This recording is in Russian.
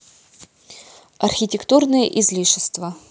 архитектурные излишества